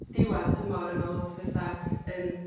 diwadd tymor a ma' lot o betha yn